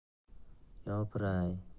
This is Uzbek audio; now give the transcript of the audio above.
yopiray bularninng barini